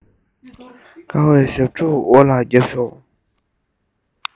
དགའ བའི ཞབས བྲོ འོ ལ རྒྱོབས ཤོག